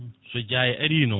so jaayo ari noon